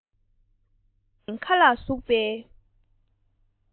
མཆེ བ བཞིན མཁའ ལ ཟུག བའི